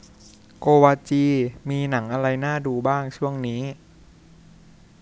โกวาจีมีหนังอะไรน่าดูบ้างช่วงนี้